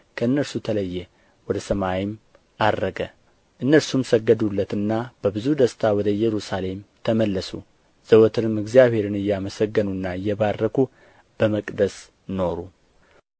ከእነርሱ ተለየ ወደ ሰማይም ዐረገ እነርሱም ሰገዱለትና በብዙ ደስታ ወደ ኢየሩሳሌም ተመለሱ ዘወትርም እግዚአብሔርን እያመሰገኑና እየባረኩ በመቅደስ ኖሩ